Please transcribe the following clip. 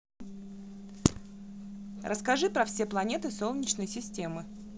расскажи про все планеты солнечной системы